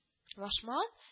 -лашман